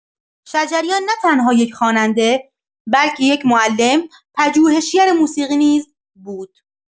شجریان نه‌تنها یک خواننده، بلکه یک معلم و پژوهشگر موسیقی نیز بود.